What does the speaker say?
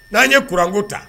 N'an ye kuran ko ta